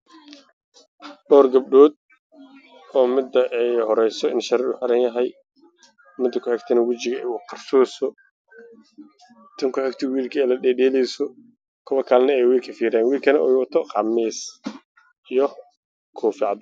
Gabdho aada u fara badan oo xijaaban ayaa fadhiga meesha